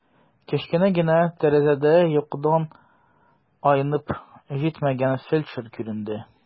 Кечкенә генә тәрәзәдә йокыдан айнып җитмәгән фельдшер күренде.